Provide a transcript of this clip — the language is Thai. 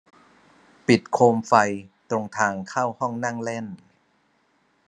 ปิดโคมไฟตรงทางเข้าห้องนั่งเล่น